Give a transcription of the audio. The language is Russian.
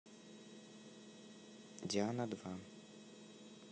диана два